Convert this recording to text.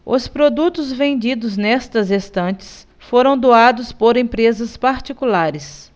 os produtos vendidos nestas estantes foram doados por empresas particulares